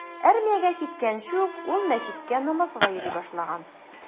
Армиягә киткәнче ук ул мәчеткә намазга йөри башлаган.